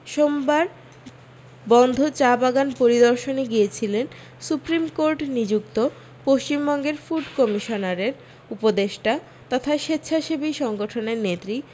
সোমবার বন্ধ চা বাগান পরিদর্শনে গিয়েছিলেন সুপ্রিম কোর্ট নিযুক্ত পশ্চিমবঙ্গের ফুড কমিশনারের উপদেষ্টা তথা স্বেচ্ছাসেবী সংগঠনের নেত্রী